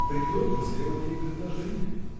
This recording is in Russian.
Притом он сделал ей предложение.